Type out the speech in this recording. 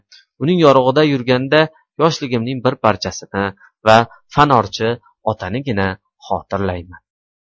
uning yorug'ida yurganda yoshligimning bir parchasini va fanorchi otanigina xotirlayman